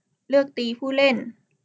เลือกตีผู้เล่น